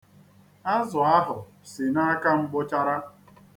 Azụ ahụ si n'aka m gbụchara.